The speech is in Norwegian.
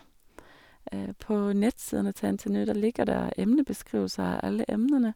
På nettsidene til NTNU, der ligger det emnebeskrivelser av alle emnene.